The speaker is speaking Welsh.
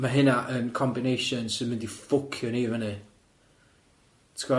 Ma' hynna yn combination sy'n mynd i ffwcio ni fyny, ti'n gwbo?